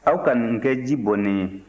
aw ka nin kɛ ji bonnen ye